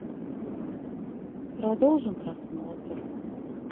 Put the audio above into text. продолжим просмотр